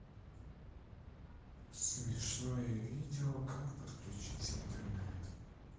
смешное видео как подключить интернет